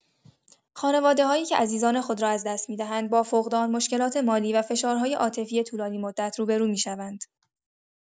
خانواده‌هایی که عزیزان خود را از دست می‌دهند، با فقدان، مشکلات مالی و فشارهای عاطفی طولانی‌مدت روبه‌رو می‌شوند.